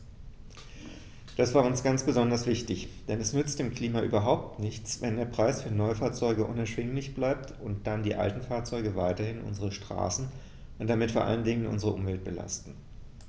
Das war uns ganz besonders wichtig, denn es nützt dem Klima überhaupt nichts, wenn der Preis für Neufahrzeuge unerschwinglich bleibt und dann die alten Fahrzeuge weiterhin unsere Straßen und damit vor allen Dingen unsere Umwelt belasten.